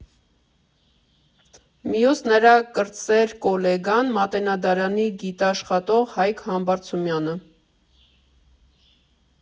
Մյուսը՝ նրա կրտսեր կոլեգան, Մատենադարանի գիտաշխատող Հայկ Համբարձումյանը։